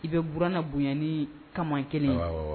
I bɛ buranna bonya ni kaman 1 ye.